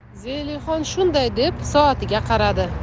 zelixon shunday deb soatiga qaradi